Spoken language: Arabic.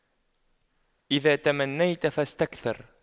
إذا تمنيت فاستكثر